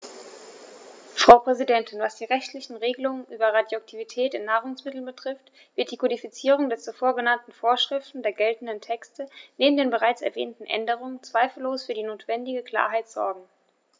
Frau Präsidentin, was die rechtlichen Regelungen über Radioaktivität in Nahrungsmitteln betrifft, wird die Kodifizierung der zuvor genannten Vorschriften der geltenden Texte neben den bereits erwähnten Änderungen zweifellos für die notwendige Klarheit sorgen.